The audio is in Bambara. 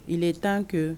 I tan kɛ